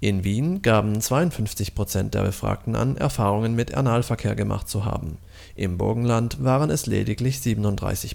In Wien gaben 52 % der Befragten an, Erfahrungen mit Analverkehr gemacht zu haben, im Burgenland waren es lediglich 37 %